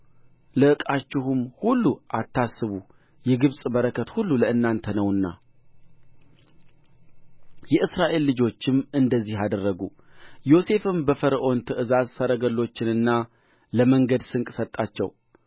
ለዕቃችሁም ሁሉ አታስቡ የግብፅ በረከት ሁሉ ለእናንተ ነውና የእስራኤል ልጆችም እንደዚሁ አደረጉ ዮሴፍም በፈርዖን ትእዛዝ ሰረገሎችንና ለመንገድ ስንቅ ሰጣቸው